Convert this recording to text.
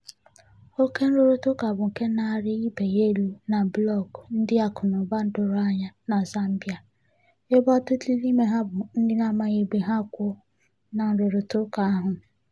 Oke nrụrịtaụka bụ nke na-arị ibe ya elu na blọọgụ ndị akụnaụba doro anya ná Zambia, ebe ọtụtụ n'ime ha bụ ndị amaghị ebe ha kwụ na nrụrịtaụka ahụ.